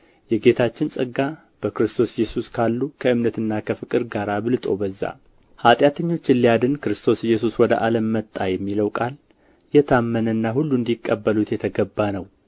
የጌታችንም ጸጋ በክርስቶስ ኢየሱስ ካሉ ከእምነትና ከፍቅር ጋር አብልጦ በዛ ኃጢአተኞችን ሊያድን ክርስቶስ ኢየሱስ ወደ ዓለም መጣ የሚለው ቃል የታመነና ሁሉ እንዲቀበሉት የተገባ ነው